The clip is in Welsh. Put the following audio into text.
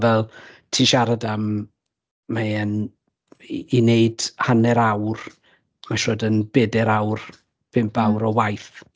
Fel ti'n siarad am... mae e'n... i i wneud hanner awr mae'n siwr o fod yn bedair awr bump awr o o waith.